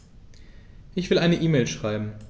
Ich will eine E-Mail schreiben.